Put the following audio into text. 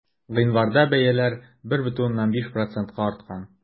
Гыйнварда бәяләр 1,5 процентка арткан.